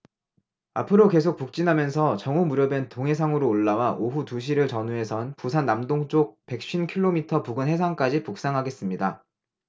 앞으로 계속 북진하면서 정오 무렵엔 동해상으로 올라와 오후 두 시를 전후해선 부산 남동쪽 백 쉰 킬로미터 부근 해상까지 북상하겠습니다